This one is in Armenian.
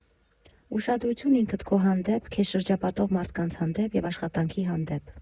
Ուշադրություն ինքդ քո հանդեպ, քեզ շրջապատող մարդկանց հանդեպ և աշխատանքի հանդեպ։